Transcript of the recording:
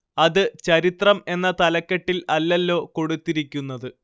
അത് ചരിത്രം എന്ന തലക്കെട്ടില്‍ അല്ലല്ലോ കൊടുത്തിരിക്കുന്നത്